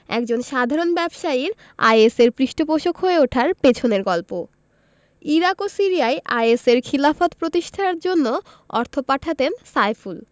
একজন সাধারণ ব্যবসায়ীর আইএসের পৃষ্ঠপোষক হয়ে ওঠার পেছনের গল্প ইরাক ও সিরিয়ায় আইএসের খিলাফত প্রতিষ্ঠার জন্য অর্থ পাঠাতেন সাইফুল